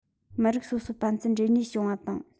མི རིགས སོ སོ ཕན ཚུན འབྲེལ འདྲིས བྱུང བ དང